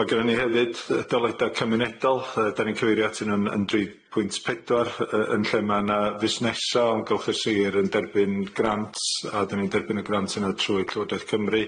Ma' gynnon ni hefyd yy doileda cymunedol. Yy 'dan ni'n cyfeirio atyn nw'n yn dri pwynt pedwar, yy yn lle ma' 'na fusnesa' o amgylch y sir yn derbyn grant, a 'dan ni'n derbyn y grant yna trwy Llywodraeth Cymru.